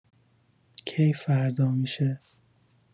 کی فردا می‌شه